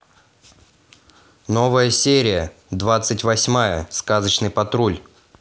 новая серия двадцать восьмая сказочный патруль